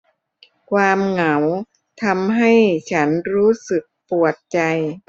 ความเหงาทำให้ฉันรู้สึกปวดใจ